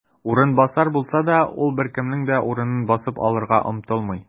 "урынбасар" булса да, ул беркемнең дә урынын басып алырга омтылмый.